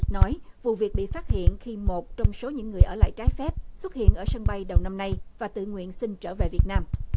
nói vụ việc bị phát hiện khi một trong số những người ở lại trái phép xuất hiện ở sân bay đầu năm nay và tự nguyện xin trở về việt nam